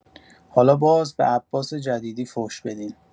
حالا باز به عباس جدیدی فحش بدین.